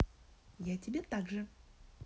я тебе также